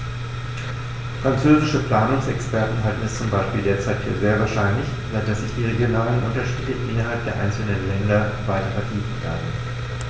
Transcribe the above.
Französische Planungsexperten halten es zum Beispiel derzeit für sehr wahrscheinlich, dass sich die regionalen Unterschiede innerhalb der einzelnen Länder weiter vertiefen werden.